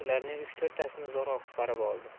ularning uchto'rttasini zo'rg'a qutqarib oldi